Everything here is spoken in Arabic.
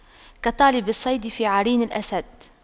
كطالب الصيد في عرين الأسد